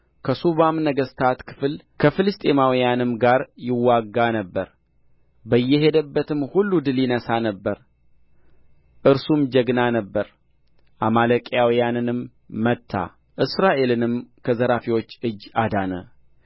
ከሱባም ነገሥታት ከፍልስጥኤማውያንም ጋር ይዋጋ ነበር በየሄደበትም ሁሉ ድል ይነሣ ነበር እርሱም ጀግና ነበረ አማሌቃውያንንም መታ እስራኤልንም ከዘራፊዎቹ እጅ አዳነ